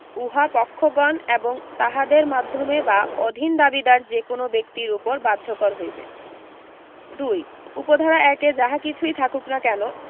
উহা পক্ষগণ এবং তাহাদের মাধ্যমে বা অধীন দাবীদার যে কোন ব্যক্তির উপর বাধ্যকর হইবে ২ উপ ধারা ১ এ যাহা কিছুই থাকুক না কেন